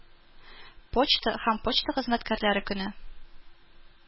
Почта һәм почта хезмәткәрләре көне